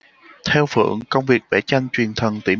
theo phượng công việc vẽ tranh truyền thần tỉ